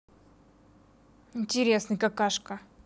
интересный какашка